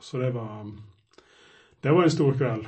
Så det var det var en stor kveld.